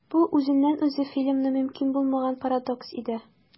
Бу үзеннән-үзе фильмны мөмкин булмаган парадокс итә.